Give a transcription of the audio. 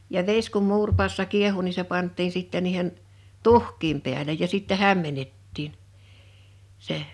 ja vesi kun muuripadassa kiehui niin se pantiin sitten niiden tuhkien päälle ja sitten hämmennettiin se